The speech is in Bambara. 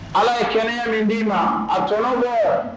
Ala ye kɛnɛya min d'i ma a tɔnɔ bɛɛ